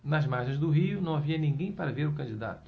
nas margens do rio não havia ninguém para ver o candidato